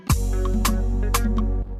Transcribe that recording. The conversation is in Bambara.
San